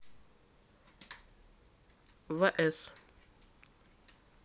vs